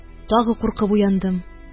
Тагы куркынып уяндым